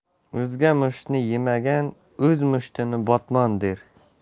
o'zga mushtini yemagan o'z mushtini botmon der